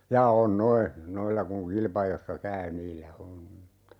jaa on nuo noilla kun kilpa-ajoissa käy niillä on mutta